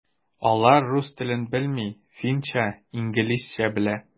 Алар рус телен белми, финча, инглизчә белә.